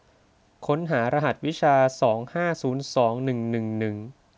ค้นหารหัสวิชาสองห้าศูนย์สองหนึ่งหนึ่งหนึ่ง